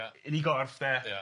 yn i gorff de... ia